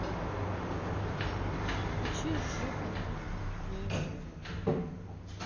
включить жихарку на ютубе